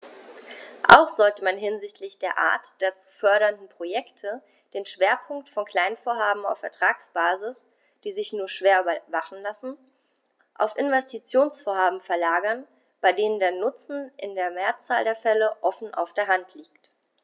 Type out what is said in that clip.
Auch sollte man hinsichtlich der Art der zu fördernden Projekte den Schwerpunkt von Kleinvorhaben auf Ertragsbasis, die sich nur schwer überwachen lassen, auf Investitionsvorhaben verlagern, bei denen der Nutzen in der Mehrzahl der Fälle offen auf der Hand liegt.